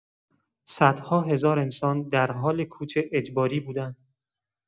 صدها هزار انسان درحال کوچ اجباری بودند.